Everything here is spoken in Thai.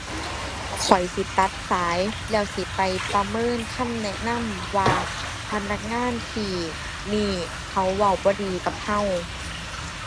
ข้อยสิตัดสาย แล้วสิไปประเมินคำแนะนำว่าพนักงานที่นี่เขาเว้าบ่ดีกับเรา